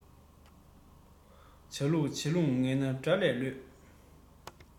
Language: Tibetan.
བྱ ལུགས བྱེད ལུགས ངན ན དགྲ ལས ལོད